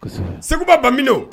Seguba ban minɛ